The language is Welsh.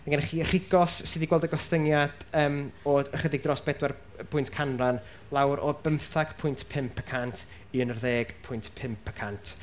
mae gynna chi Rhugos sy 'di gweld y gostyngiad yym o chydig dros bedwar pwynt canran lawr o bymtheg pwynt pump y cant i unarddeg pwynt pump y cant.